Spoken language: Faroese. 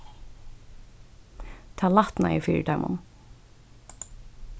tað lætnaði fyri teimum